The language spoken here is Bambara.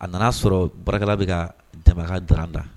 A nana'a sɔrɔ bara bɛ ka jama dɔrɔnda